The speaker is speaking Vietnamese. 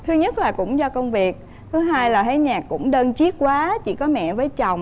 thứ nhất là cũng do công việc thứ hai là thấy nhà cũng đơn chiếc quá chỉ có mẹ với chồng